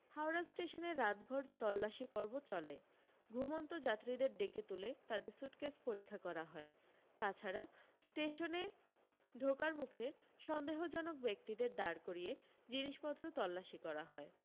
হাওড়া স্টেশনে রাতভর তল্লাশি পর্ব চলে ঘুমন্ত যাত্রীদের ডেকে তুলে তাদের স্যুটকেস পরীক্ষা করা হয় তাছাড়া স্টেশনে ঢোকার মুখে সন্দেহজনক ব্যক্তিদের দাঁড় করিয়ে জিনিসপত্র তল্লাশি করা হয়